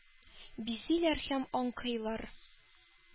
Бизиләр һәм аңкыйлар?!